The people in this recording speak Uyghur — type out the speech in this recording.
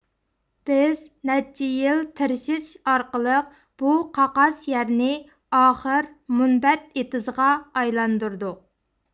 بىز نەچچە يىل تىرىشىش ئارقىلىق بۇ قاقاس يەرنى ئاخىر مۇنبەت ئېتىزغا ئايلاندۇردۇق